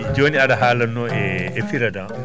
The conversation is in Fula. jooni aɗa haalatnoo e "frident" o